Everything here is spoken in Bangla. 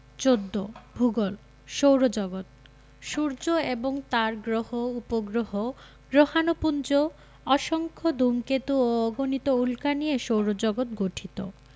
১৪ ভূগোল সৌরজগৎ সূর্য এবং তার গ্রহ উপগ্রহ গ্রহাণুপুঞ্জ অসংখ্য ধুমকেতু ও অগণিত উল্কা নিয়ে সৌরজগৎ গঠিত